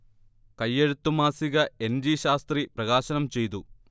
കൈയെഴുത്ത് മാസിക N. G Shastri പ്രകാശനം ചെയ്തു